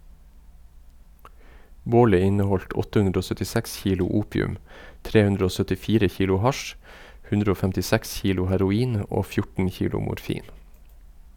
Bålet inneholdt 876 kilo opium, 374 kilo hasj, 156 kilo heroin og 14 kilo morfin.